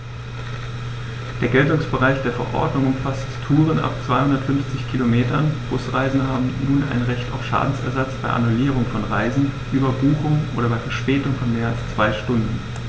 Der Geltungsbereich der Verordnung umfasst Touren ab 250 Kilometern, Busreisende haben nun ein Recht auf Schadensersatz bei Annullierung von Reisen, Überbuchung oder bei Verspätung von mehr als zwei Stunden.